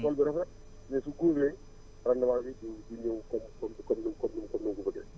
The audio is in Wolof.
tool bi rafet mais su góobee rendement bi du du ñëw comme comme coomme ni mu comme ni mu ko bëggee